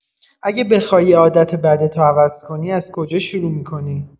اگه بخوای یه عادت بدتو عوض کنی، از کجا شروع می‌کنی؟